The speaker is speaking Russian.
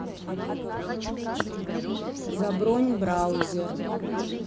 забронь браузер